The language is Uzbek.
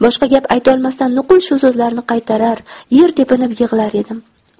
boshqa gap aytolmasdan nuqul shu so'zlarni qaytarar yer tepinib yig'lar edim